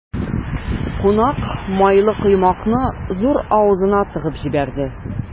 Кунак майлы коймакны зур авызына тыгып җибәрде.